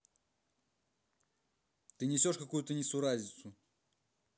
ты несешь какую то несуразицу